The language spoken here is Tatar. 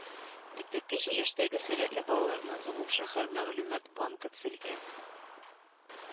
Мәктәпкәчә яшьтәге сәләтле балаларның гомумшәһәр мәгълүмат банкы төзелгән